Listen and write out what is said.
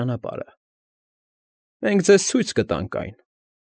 Ճանապարհը։ Մենք ձեզ ցույց կտանք այն։